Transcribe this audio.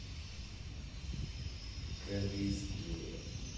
корыстные